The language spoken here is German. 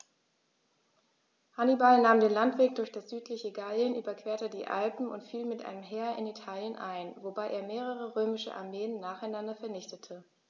Hannibal nahm den Landweg durch das südliche Gallien, überquerte die Alpen und fiel mit einem Heer in Italien ein, wobei er mehrere römische Armeen nacheinander vernichtete.